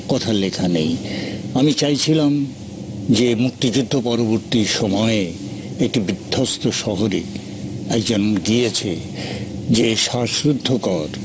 কথা লেখা নেই আমি চাইছিলাম যে মুক্তিযুদ্ধ পরবর্তী সময়ে একটি বিধ্বস্ত শহরে একজন গিয়েছে যে শ্বাসরুদ্ধকর